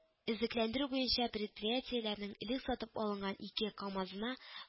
Өзекләндерү буенча предприятиенең элек сатып алынган ике “камазына